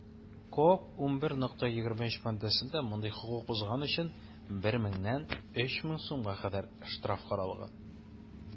КоАП 11.23 маддәсендә мондый хокук бозган өчен 1 меңнән 3 мең сумга кадәр штраф каралган.